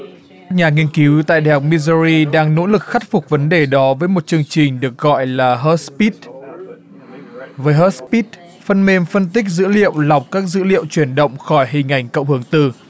nhà nghiên cứu tại đại học mi do ri đang nỗ lực khắc phục vấn đề đó với một chương trình được gọi là hớt bít với hớt bít phần mềm phân tích dữ liệu lọc các dữ liệu chuyển động khỏi hình ảnh cộng hưởng từ